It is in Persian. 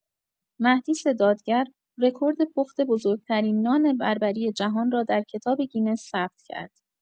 مهدیس دادگر، رکورد پخت بزرگ‌ترین نان بربری جهان را در کتاب گینس ثبت کرد.